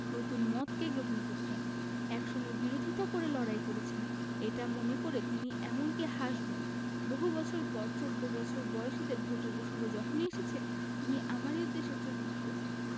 নতুন মতকে গ্রহণ করতেন একসময় বিরোধিতা করে লড়াই করেছেন এটা মনে করে তিনি এমনকি হাসবেন বহু বছর পর চৌদ্দ বছর বয়সীদের ভোটের প্রসঙ্গ যখনই এসেছে তিনি আমার উদ্দেশে চোখ মটকেছেন